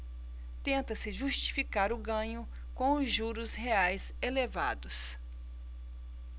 tenta-se justificar o ganho com os juros reais elevados